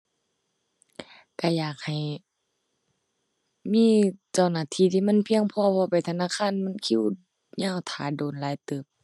ก็อยากให้ มีเจ้าหน้าที่ที่มันเพียงพอ เพราะไปธนาคารมันคิวยาว ท่าโดนหลายเติบ